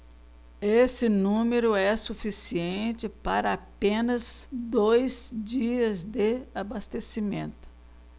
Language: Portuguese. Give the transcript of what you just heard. esse número é suficiente para apenas dois dias de abastecimento